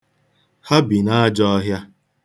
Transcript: Ha bi n'ajọọhịa.